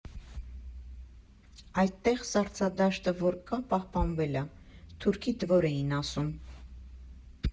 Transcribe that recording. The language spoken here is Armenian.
Այդտեղ սառցադաշտը որ կա, պահպանվել ա, թուրքի դվոր էին ասում։